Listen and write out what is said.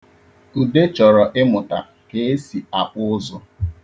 Ude chọrọ ịmụta ka e si akpụ ụzụ.